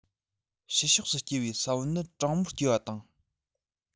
ཕྱི ཕྱོགས སུ སྐྱེས པའི ས བོན ནི དྲང མོར སྐྱེས པ དང